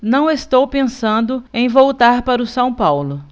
não estou pensando em voltar para o são paulo